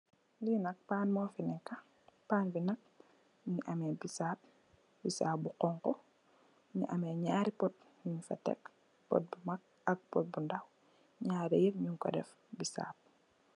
Lenakpan mufineka pan bi nak mu gi ameh bisap bu honha bu ameh nyari pot nyu si tek dafa am pot bu ndaw ak bu mank nyri yep nyu ko def bisap.